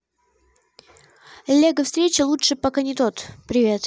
lego встречи лучше пока не тот привет